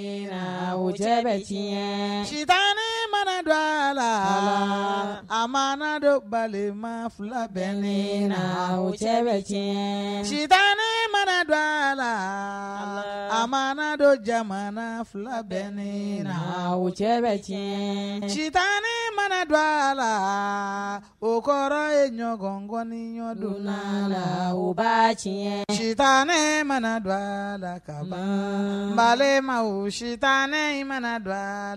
Cɛ bɛ tiɲɛ ci mana don a la a ma dɔ balima fila bɛ le wo cɛ bɛ cɛ ci mana don a la a ma don jamana fila bɛ ne o cɛ bɛ tiɲɛ ci tan ne mana don a la o kɔrɔ ye ɲɔgɔnkɔni ɲɔgɔndon la la ba tiɲɛ ci ne mana don a la ka balima wo sita ne mana don a la